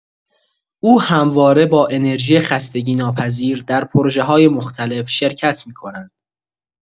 او همواره با انرژی خستگی‌ناپذیر در پروژه‌های مختلف شرکت می‌کند.